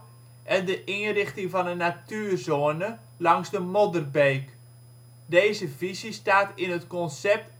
en de inrichting van een natuurzone langs de Modderbeek. Deze visie staat in het concept